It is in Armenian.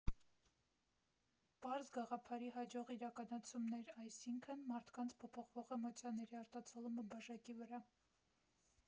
Պարզ գաղափարի հաջող իրականացումն էր՝ այսինքն, մարդկանց փոփոխվող էմոցիաների արտացոլումը բաժակի վրա։